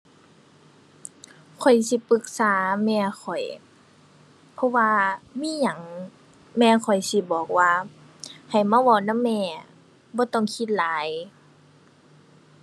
ข้อยสิปรึกษาแม่ข้อย เพราะว่ามีหยัง แม่ข้อยสิบอกว่าให้มาเว้านำแม่ บ่ต้องคิดหลาย